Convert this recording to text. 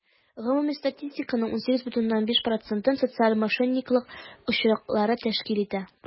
Гомуми статистиканың 18,5 процентын социаль мошенниклык очраклары тәшкил итә.